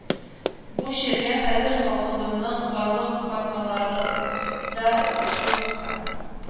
Бу чиргә хәзер халкыбызның барлык катламнары да юлыкты